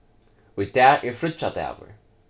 í dag er fríggjadagur